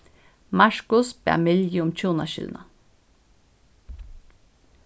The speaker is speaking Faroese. markus bað milju um hjúnaskilnað